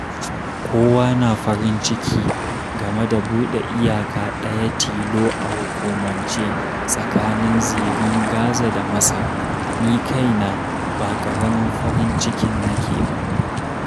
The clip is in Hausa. Kowa na farin ciki game da buɗe iyaka ɗaya tilo a hukumance tsakanin Zirin Gaza da Masar; ni kaina ba ƙaramin farin cikin nake ba.